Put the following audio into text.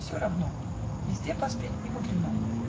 Все равно: Везде поспеть немудрено.